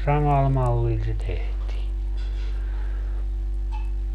samalla mallilla se tehtiin